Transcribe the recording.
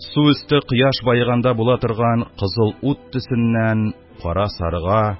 Су өсте кояш баеганда була торган кызыл ут төсеннән кара-сарыга,